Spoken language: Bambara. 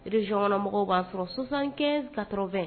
Syɔnmɔgɔw b'a sɔrɔ sonsankɛ katobɛn